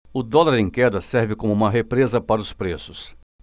o dólar em queda serve como uma represa para os preços